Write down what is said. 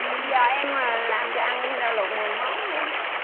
giờ em mà làm cho ăn rau luộc mười món luôn